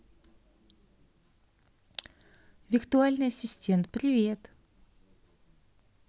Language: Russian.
виртуальный ассистент привет